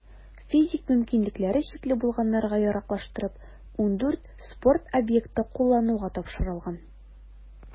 Физик мөмкинлекләре чикле булганнарга яраклаштырып, 14 спорт объекты куллануга тапшырылган.